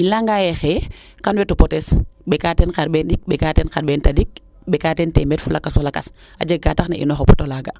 i leya ngaye xaye kam weto petes ɓeka teen xarɓaan ɗik ɓeka teen xarɓeen tadik ɓekateen teemeed fo lakas fo lakas a jeg kaa tax na inooxo poto laaga